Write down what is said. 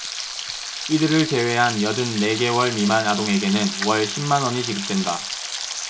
이들을 제외한 여든 네 개월 미만 아동에게는 월 십 만원이 지급된다